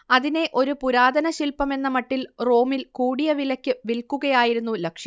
അതിനെ ഒരു പുരാതനശില്പമെന്നമട്ടിൽ റോമിൽ കൂടിയ വിലക്ക് വിൽക്കുകയായിരുന്നു ലക്ഷ്യം